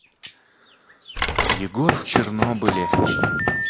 егор в чернобыле